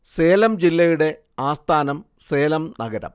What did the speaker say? സേലം ജില്ലയുടെ ആസ്ഥാനം സേലം നഗരം